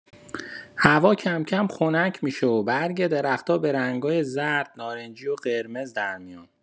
هوا کم‌کم خنک می‌شه و برگ درخت‌ها به رنگ‌های زرد، نارنجی و قرمز در میان.